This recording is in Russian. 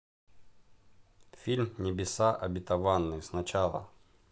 фильм небеса обетованные сначала